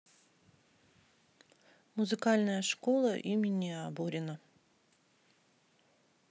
музыкальная школа имени оборина